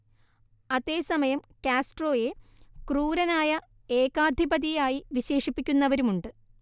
അതേ സമയം കാസ്ട്രോയെ ക്രൂരനായ ഏകാധിപതിയായി വിശേഷിപ്പിക്കുന്നവരുമുണ്ട്